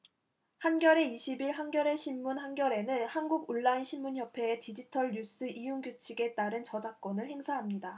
한겨레 이십 일 한겨레신문 한겨레는 한국온라인신문협회의 디지털뉴스이용규칙에 따른 저작권을 행사합니다